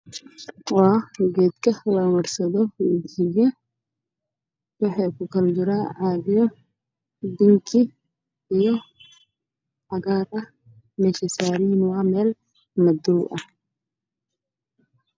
Halkaan waxaa ka muuqdo boomaato mid waa buluug xigeen midna waa guduud xigeen